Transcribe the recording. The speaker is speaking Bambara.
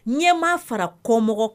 Ɲɛmaa fara kɔmɔgɔ k